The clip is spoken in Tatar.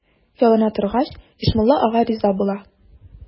Ялына торгач, Ишмулла ага риза була.